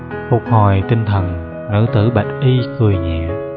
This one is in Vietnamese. phục hồi tinh thần nữ tử bạch y cười nhẹ